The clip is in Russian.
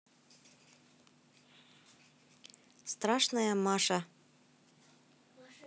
страшная маша